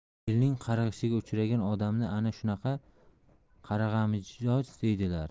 elning qarg'ishiga uchragan odamni ana shunaqa qarg'amijoz deydilar